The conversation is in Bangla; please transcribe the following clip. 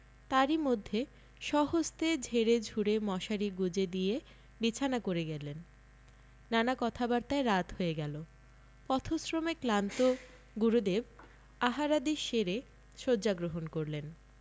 তারই মধ্যে স্বহস্তে ঝেড়েঝুড়ে মশারি গুঁজে দিয়ে বিছানা করে গেলেন নানা কথাবার্তায় রাত হয়ে গেল পথশ্রমে ক্লান্ত গুরুদেব আহারাদি সেরে শয্যা গ্রহণ করলেন